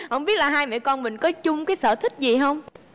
không biết là hai mẹ con mình có chung sở cái sở thích gì hông